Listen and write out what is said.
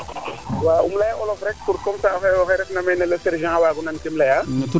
waaw im leya olof rek pour comme ca oxe refna meene le sergent waago nan keem leya